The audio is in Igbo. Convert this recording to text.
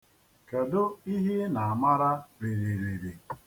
Kedu ihe Ị na-amara ririri?